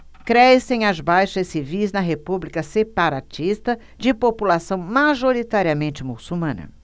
crescem as baixas civis na república separatista de população majoritariamente muçulmana